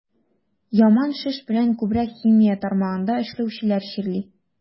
Яман шеш белән күбрәк химия тармагында эшләүчеләр чирли.